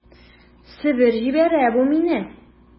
Себер җибәрә бу мине...